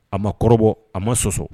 A ma kɔrɔbɔ a ma sososɔ